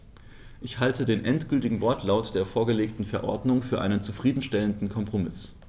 Ich halte den endgültigen Wortlaut der vorgelegten Verordnung für einen zufrieden stellenden Kompromiss.